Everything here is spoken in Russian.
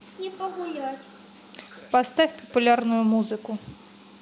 поставь популярную музыку